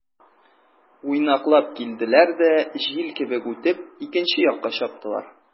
Уйнаклап килделәр дә, җил кебек үтеп, икенче якка чаптылар.